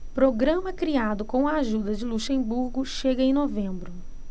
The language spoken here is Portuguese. programa criado com a ajuda de luxemburgo chega em novembro